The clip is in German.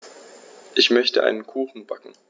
Ich möchte einen Kuchen backen.